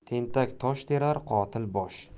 tentak tosh terar qotil bosh